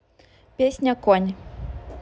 песня конь